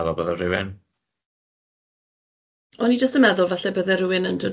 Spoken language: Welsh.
O'n i meddwl bydde rywun ... O'n i jyst yn meddwl falle bydde rywun yn